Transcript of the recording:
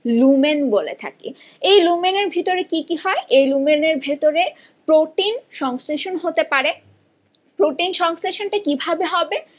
lumen বলে থাকি এই লুমেন এর ভিতরে কি কি হয় এই লুমেন এর ভেতরে প্রোটিন সংশ্লেষণ হতে পারে প্রোটিন সংশ্লেষণ টা কিভাবে হবে